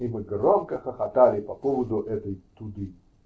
И мы громко хохотали по поводу этой туды.